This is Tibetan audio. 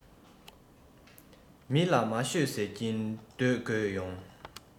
མི ལ མ ཤོད ཟེར གྱིན སྡོད དགོས ཡོང